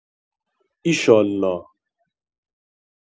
ایشالا